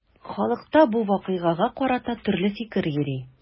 Халыкта бу вакыйгага карата төрле фикер йөри.